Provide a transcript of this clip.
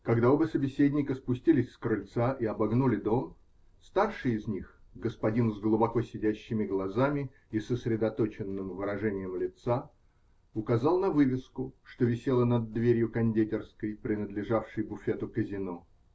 Когда оба собеседника спустились с крыльца и обогнули дом, старший из них -- господин с глубоко сидящими глазами и сосредоточенным выражением лица -- указал на вывеску, что висела над дверью кондитерской, принадлежавшей буфету казино.